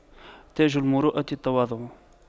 تاج المروءة التواضع